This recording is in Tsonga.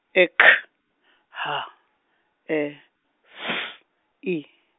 e K H E F I.